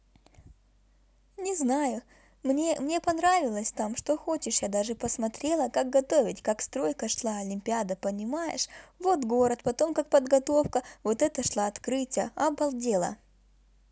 не знаю мне мне понравилось там что хочешь я даже посмотрела как готовить как стройка шла олимпиада понимаешь вот город потом как подготовка вот это шла открытие обалдело